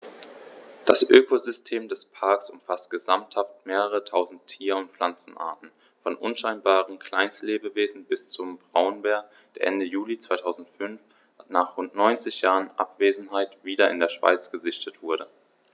Das Ökosystem des Parks umfasst gesamthaft mehrere tausend Tier- und Pflanzenarten, von unscheinbaren Kleinstlebewesen bis zum Braunbär, der Ende Juli 2005, nach rund 90 Jahren Abwesenheit, wieder in der Schweiz gesichtet wurde.